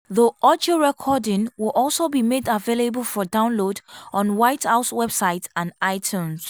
The audio recording will also be made available for download on White House website and iTunes.